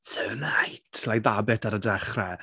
"Tonight..." like, that bit ar y dechrau...